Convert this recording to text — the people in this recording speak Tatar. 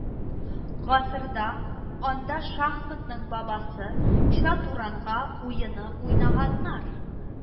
Гасырда анда шахматның бабасы чатуранга уены уйнаганнар